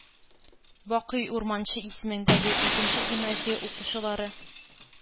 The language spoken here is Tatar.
Бакый Урманче исемендәге икенче гимназия укучылары